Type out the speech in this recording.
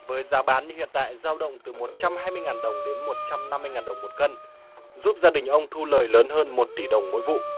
với giá bán hiện tại dao động từ một trăm hai mươi ngàn đồng đến một trăm năm mươi ngàn đồng một cân giúp gia đình ông thu lời lớn hơn một tỷ đồng mỗi vụ